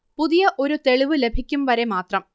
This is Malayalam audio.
പുതിയ ഒരു തെളിവ് ലഭിക്കും വരെ മാത്രം